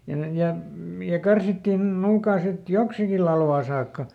ja ne ja - ja karsittiin nuukaan sitten joksikin latvaan saakka